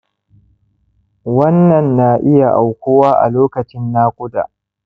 wannan na iya aukuwa a lokacin naƙuda